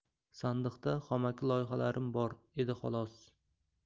sandiqda xomaki loyihalarim bor edi xolos